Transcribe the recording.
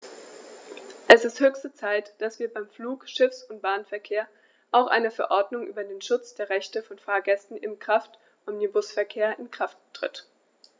Es ist höchste Zeit, dass wie beim Flug-, Schiffs- und Bahnverkehr auch eine Verordnung über den Schutz der Rechte von Fahrgästen im Kraftomnibusverkehr in Kraft tritt.